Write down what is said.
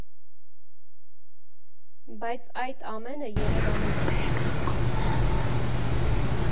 Բայց այդ ամենը Երևանում էր։